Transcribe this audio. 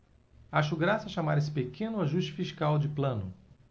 acho graça chamar esse pequeno ajuste fiscal de plano